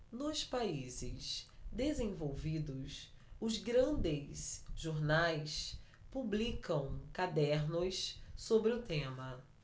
nos países desenvolvidos os grandes jornais publicam cadernos sobre o tema